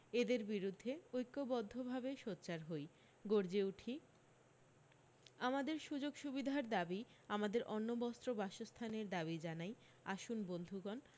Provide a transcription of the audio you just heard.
এদের বিরুদ্ধে ঐক্যবদ্ধভাবে সোচ্চার হৈ গর্জে উঠি আমাদের সু্যোগসুবিধার দাবি আমাদের অন্ন বস্ত্র বাসস্থানের দাবি জানাই আসুন বন্ধুগণ